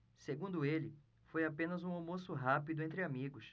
segundo ele foi apenas um almoço rápido entre amigos